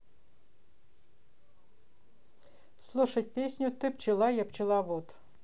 слушать музыку ты пчела я пчеловод